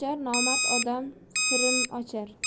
nomard odam siring ochar